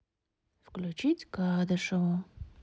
включить кадышеву